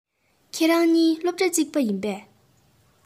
ཁྱེད རང གཉིས སློབ གྲ གཅིག རེད པས